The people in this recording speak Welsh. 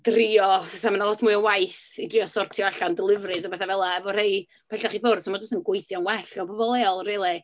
drio, fatha ma' 'na lot mwy o waith i drio sortio allan deliveries a pethau fela efo rhai pellach i ffwrdd. So ma jyst yn gweithio'n well efo pobl leol rili.